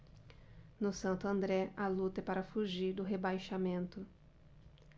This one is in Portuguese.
no santo andré a luta é para fugir do rebaixamento